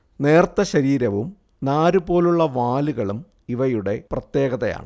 നേർത്ത ശരീരവും നാരുപോലുള്ള വാലുകളും ഇവയുടെ പ്രത്യേകതയാണ്